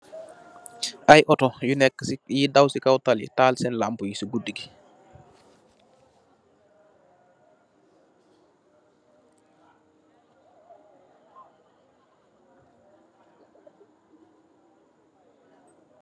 Ay auto yui daw ci kaw tali , tahal sèèn lampú yi si goodu ngi.